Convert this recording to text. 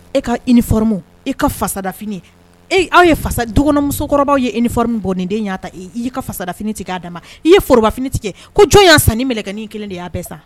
E ka i nifmu e ka fasadaf aw ye fasa dɔgɔnkɔnɔmusokɔrɔba ye i ni bɔden den y'a ta e i ka fasadaf tigɛ k'a da ma i ye forobaf tigɛ kɛ ko jɔn y'a san ni nɛgɛi kelen de y'a bɛɛ sa